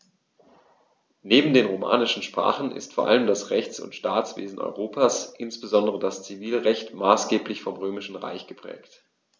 Neben den romanischen Sprachen ist vor allem das Rechts- und Staatswesen Europas, insbesondere das Zivilrecht, maßgeblich vom Römischen Recht geprägt.